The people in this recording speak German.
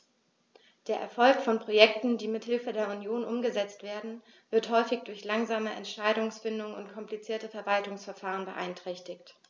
Der Erfolg von Projekten, die mit Hilfe der Union umgesetzt werden, wird häufig durch langsame Entscheidungsfindung und komplizierte Verwaltungsverfahren beeinträchtigt.